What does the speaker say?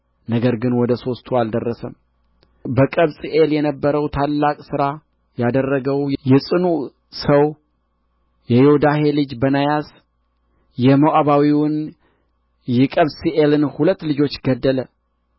ነገር ግን ወደ ሦስቱ አልደረሰም በቀብጽኤል የነበረው ታላቅ ሥራ ያደረገው የጽኑዕ ሰው የዮዳሄ ልጅ በናያስ የሞዓባዊውን የቀብስኤልን ሁለት ልጆች ገደለ